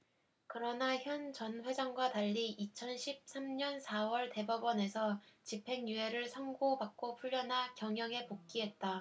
그러나 현 전 회장과 달리 이천 십 삼 년 사 월 대법원에서 집행유예를 선고 받고 풀려나 경영에 복귀했다